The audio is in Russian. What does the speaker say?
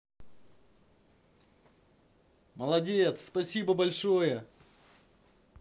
молодец спасибо большое